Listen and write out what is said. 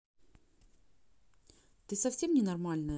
ты совсем ненормальная